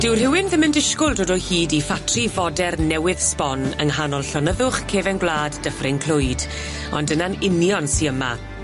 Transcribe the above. Dyw rhywun ddim yn disgwl dod o hyd i ffatri fodern newydd sbon yng nghanol llonyddwch cefen gwlad Dyffryn Clwyd ond dyna'n union sy yma